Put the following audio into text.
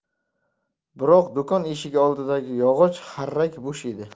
biroq do'kon eshigi oldidagi yog'och xarrak bo'sh edi